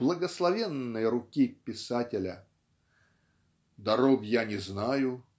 благословенной руки писателя. "Дорог я не знаю